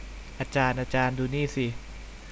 อาจารย์อาจารย์ดูนี่สิ